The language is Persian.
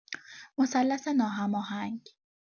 مثلث ناهماهنگ